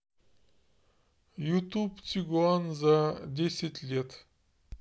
ютуб тигуан за десять лет